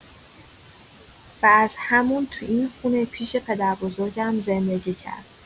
و از همون تو این خونه پیش پدربزرگم زندگی کرد.